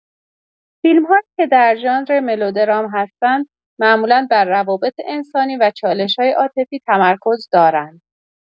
فیلم‌هایی که در ژانر ملودرام هستند معمولا بر روابط انسانی و چالش‌های عاطفی تمرکز دارند.